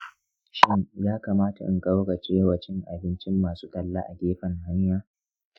shi ya kamata in ƙauracewa cin abincin masu talla a gefen hanya?